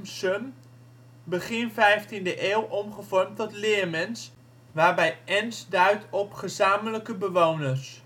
begin 15e eeuw omgevormd tot Leermens, waarbij - ens duidt op ' gezamenlijke bewoners